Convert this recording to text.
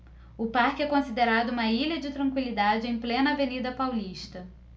o parque é considerado uma ilha de tranquilidade em plena avenida paulista